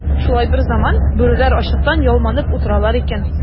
Шулай берзаман бүреләр ачлыктан ялманып утыралар икән.